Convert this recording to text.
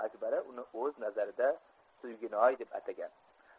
akbara uni o'z nazarida suyginoy deb atagan